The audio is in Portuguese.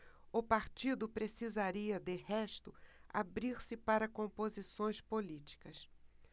o partido precisaria de resto abrir-se para composições políticas